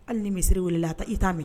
Hali ni misiriri welela i t'a mɛn